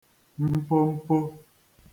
mpompo